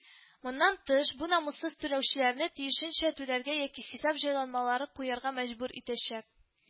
Моннан тыш, бу намуссыз түләүчеләрне тиешенчә түләргә яки хисап җайланмалары куярга мәҗбүр итәчәк